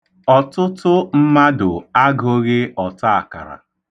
Ọtụtụ mmadụ agụghị ọtaakara.